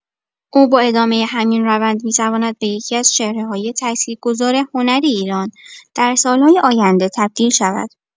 او با ادامه همین روند می‌تواند به یکی‌از چهره‌های تاثیرگذار هنر ایران در سال‌های آینده تبدیل شود.